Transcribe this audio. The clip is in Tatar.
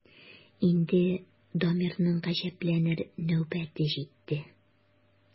Инде Дамирның гаҗәпләнер нәүбәте җитте.